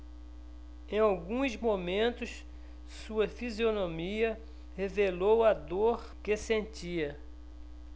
em alguns momentos sua fisionomia revelou a dor que sentia